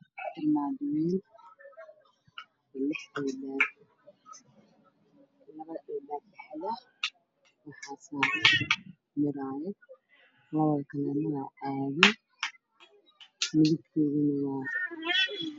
Waxaa ii muuqday qol waxaa yaalo armaajooyin midabkoodu waa dhulka waa qacda derbiga waa